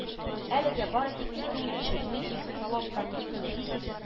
Әлегә бары тик ике уенчы – Дмитрий Соколов һәм Никос Зисис